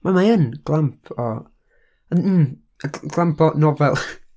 wel ma hi yn glamp o, mm, glamp o 'nofel'